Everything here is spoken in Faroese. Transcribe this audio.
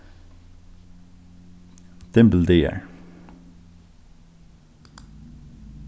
dymbildagar